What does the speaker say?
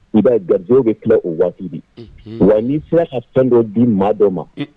I ba gaizɛkɛ bɛ kila o waati de. wa ni sera ka fɛn dɔ di maa dɔ ma.